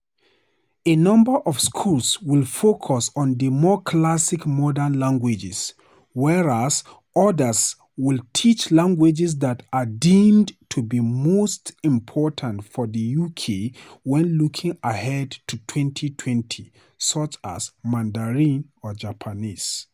A number of schools will focus on the more classic modern languages, whereas others will teach languages that are deemed to be most important for the UK when looking ahead to 2020, such as Mandarin or Japanese.